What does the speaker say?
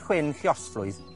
chwyn lluosflwydd,